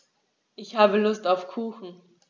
Ich habe Lust auf Kuchen.